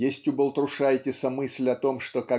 есть у Балтрушайтиса мысль о том что